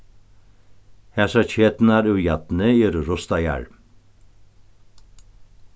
hasar keturnar úr jarni eru rustaðar